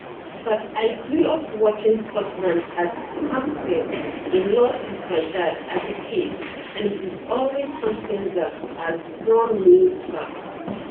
"But I grew up watching Scotland at Hampden a lot with my dad as a kid, and it is always something that has drawn me back.